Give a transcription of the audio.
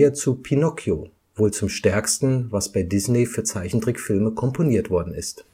zu Pinocchio wohl zum Stärksten, was bei Disney für Zeichentrickfilme komponiert worden ist